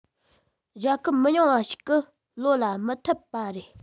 རྒྱལ ཁབ མི ཉུང བ ཞིག གི བློ ལ མི འཐད པ རེད